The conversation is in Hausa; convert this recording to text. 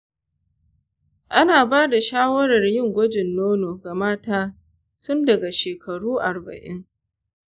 ana ba da shawarar yin gwajin nono ga mata tun daga shekaru arba'in.